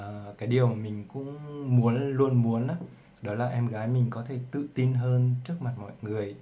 và điều mình luôn muốn là em gái có thể tự tin hơn trước mặt mọi người